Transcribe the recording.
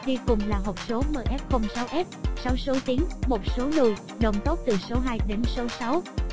đi cùng là hộp số mf s số tiến số lùi đồng tốc từ số đến số